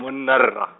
monna rra.